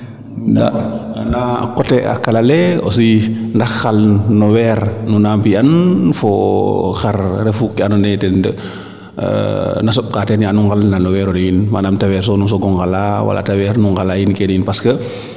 ndaa ana coté a qala le aussi ndax xal no weer nuna mbiyan foo xar refu ke ando naye ten na soɓ ka ten yaanu ŋal na no werole in manaaam te weesu nu soogo ŋala wala te weer nu ŋala yiin keene yiin parce que